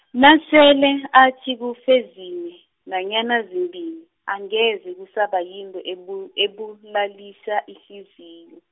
nasele athi kufe zine, nanyana zimbili, angeze kusaba yinto ebu- ebulalisa ihliziyo.